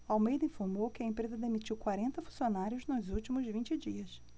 almeida informou que a empresa demitiu quarenta funcionários nos últimos vinte dias